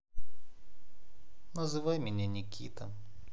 называй меня никита